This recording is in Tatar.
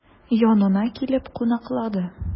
Янына килеп кунаклады.